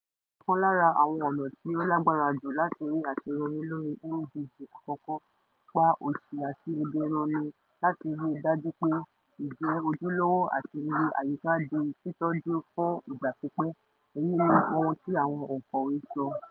Ọkàn lára àwọn ọ̀nà tí ó lágbára jù láti rí àṣeyọrí lórí MDG àkọ́kọ́ - pa òṣì àti ebi run ni láti rí i dájú pé ìjẹ́ ojúlówó àti iye àyíká di tí tọ́jú fún fún ìgbà pípẹ́, " èyí ni ohun tí àwọn òǹkọ̀wé sọ.